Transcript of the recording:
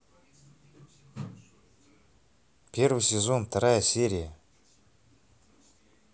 первый сезон вторая серия